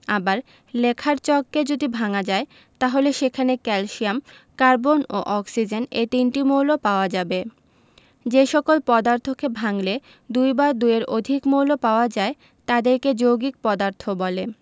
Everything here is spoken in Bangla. আবার লেখার চককে যদি ভাঙা যায় তাহলে সেখানে ক্যালসিয়াম কার্বন ও অক্সিজেন এ তিনটি মৌল পাওয়া যাবে যে সকল পদার্থকে ভাঙলে দুই বা দুইয়ের অধিক মৌল পাওয়া যায় তাদেরকে যৌগিক পদার্থ বলে